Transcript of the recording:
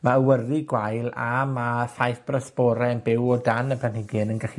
ma' awyru gwael a ma' y ffaith bo'r y sbore yn byw o dan y planhigyn yn gallu